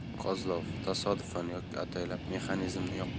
kozlov tasodifan yoki ataylab mexanizmni